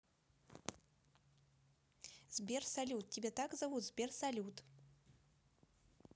сбер салют тебя так зовут сбер салют